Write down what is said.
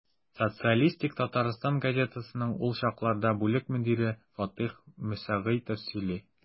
«социалистик татарстан» газетасының ул чаклардагы бүлек мөдире фатыйх мөсәгыйтов сөйли.